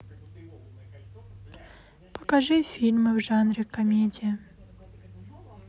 покажи фильмы в жанре комедия